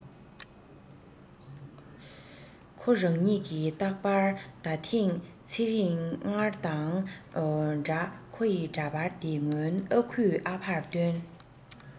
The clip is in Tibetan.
ཁོ རང ཉིད ཀྱི རྟག པར ད ཐེངས ཚེ རིང སྔར དང འདྲ ཁོ ཡི འདྲ པར དེ སྔོན ཨ ཁུས ཨ ཕར སྟོན